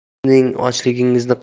bu sizning ochligingizni